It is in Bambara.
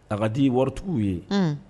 A ka di ye waritigiw ye